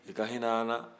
i ka hinɛ an na